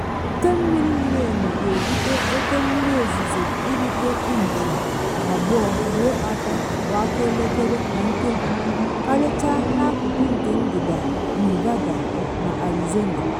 Oke mmiri miri emi ga-ebute oke mmiri ozizo irute inchi 2 ruo 3 kwa aka elekere na nkebi, karịchara n’akụkụ nke ndịda Nevada na Arizona.